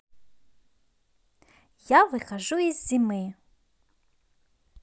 я выхожу из зимы